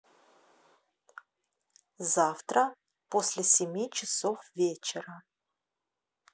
завтра после семи часов вечера